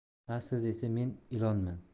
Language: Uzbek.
aslida esa men ilonman